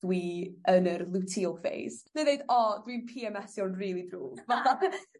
dwi yn yr Luteal Phase, n'w ddeud o dwi'n Pee Em Essio'n rili ddrwg fatha